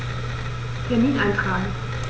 Termin eintragen